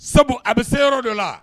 Sabu a bɛ se yɔrɔ dɔ la